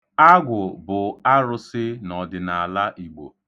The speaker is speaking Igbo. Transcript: Agwụ bụ arụsị n'ọdịnala Igbo.